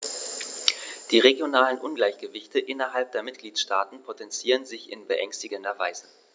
Die regionalen Ungleichgewichte innerhalb der Mitgliedstaaten potenzieren sich in beängstigender Weise.